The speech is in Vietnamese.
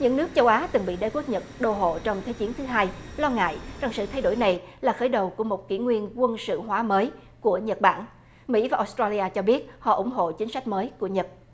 những nước châu á từng bị đế quốc nhật đô hộ trong thế chiến thứ hai lo ngại rằng sự thay đổi này là khởi đầu của một kỷ nguyên quân sự hóa mới của nhật bản mỹ và ốt tro ly a cho biết họ ủng hộ chính sách mới của nhật